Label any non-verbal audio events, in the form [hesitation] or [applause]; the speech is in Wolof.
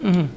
[hesitation] [hesitation]